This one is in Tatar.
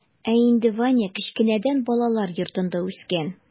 Ә инде ваня кечкенәдән балалар йортында үскән.